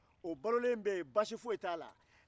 o balolen b e yen baasi foyi t'a la